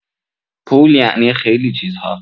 پول یعنی خیلی چیزها